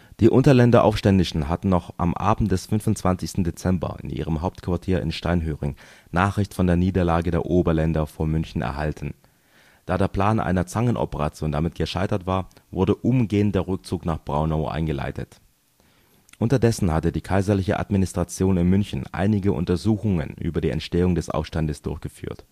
Die Unterländer Aufständischen hatten noch am Abend des 25. Dezember in ihrem Hauptquartier in Steinhöring Nachricht von der Niederlage der Oberländer vor München erhalten. Da der Plan einer Zangenoperation damit gescheitert war, wurde umgehend der Rückzug gegen Braunau eingeleitet. Unterdessen hatte die kaiserliche Administration in München einige Untersuchungen über die Entstehung des Aufstandes durchgeführt